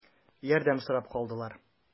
Ярдәм сорап калдылар.